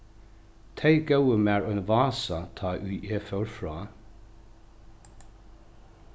tey góvu mær ein vasa tá ið eg fór frá